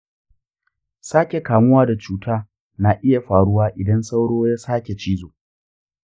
sake kamuwa da cuta na iya faruwa idan sauro ya sake cizo.